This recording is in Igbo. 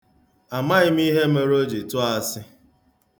Amaghị m ihe mere o ji tụọ asị.